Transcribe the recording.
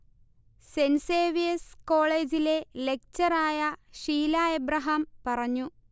saint Xavier's കോളേജിലെ lecture ആയ Sheela Abraham പറഞ്ഞു